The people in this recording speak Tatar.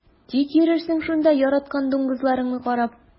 Тик йөрерсең шунда яраткан дуңгызларыңны карап.